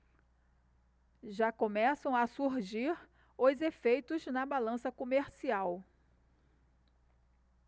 já começam a surgir os efeitos na balança comercial